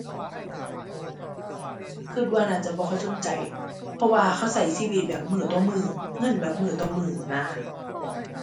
คิดว่าน่าจะบ่ค่อยสนใจ เพราะว่าเขาใช้ชีวิตแบบมื้อต่อมื้อ เงินแบบมื้อต่อมื้อนั่นนะ